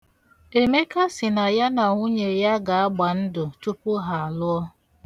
Emeka sị na ya na nwunye ya ga-agba ndụ tupu ha alụọ.